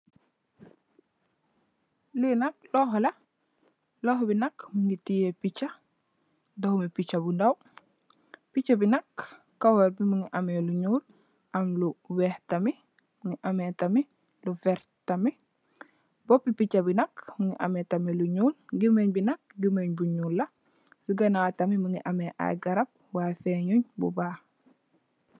Li nak loxo la loxo bi nak mungi tiye pich domi pich bu ndaw pich bi nak kawar bi mungi ame lu njul ak lu wex ak lu wert bopi pich bi nak mungi ame lu njul gamen bi tamit dafar njul ci ginawam mungi ame ay garab way fénjun bu bax